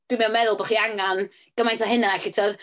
Dwi'm yn meddwl bo' chi angen gymaint â hynna, 'lly tibod.